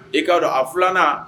I k'a dɔn a filanan